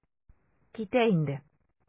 Китә инде.